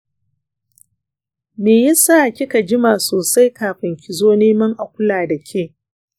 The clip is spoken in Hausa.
meyesa kika jima sosai kafun kizo neman a kula dake?